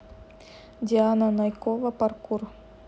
диана найкова паркур